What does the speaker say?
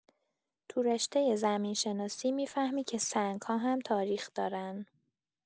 تو رشته زمین‌شناسی می‌فهمی که سنگ‌ها هم تاریخ دارن!